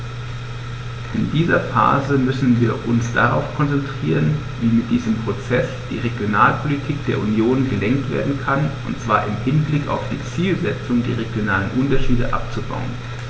In dieser Phase müssen wir uns darauf konzentrieren, wie mit diesem Prozess die Regionalpolitik der Union gelenkt werden kann, und zwar im Hinblick auf die Zielsetzung, die regionalen Unterschiede abzubauen.